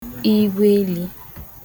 igwēeli